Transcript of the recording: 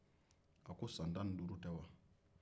a ko san tan ni duuru tɛ wa